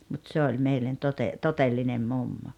mutta se oli meille - todellinen mummo